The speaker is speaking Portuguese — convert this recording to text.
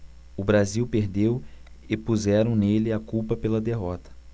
o brasil perdeu e puseram nele a culpa pela derrota